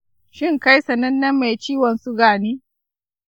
shin kai sanannen mai ciwon suga ne?